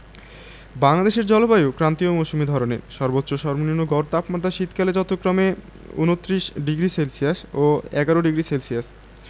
বাংলাদেশের জলবায়ু ক্রান্তীয় মৌসুমি ধরনের সর্বোচ্চ ও সর্বনিম্ন গড় তাপমাত্রা শীতকালে যথাক্রমে ২৯ ডিগ্রি সেলসিয়াস ও ১১ডিগ্রি সেলসিয়াস